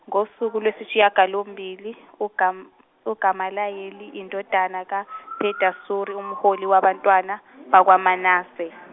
ngosuku lwesishiyagalombili uGam- uGamalayeli, indodana kaPedasuri umholi wabantwana, bakwaManase.